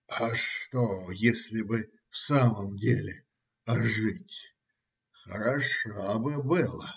- А что, если бы в самом деле ожить? Хорошо бы было!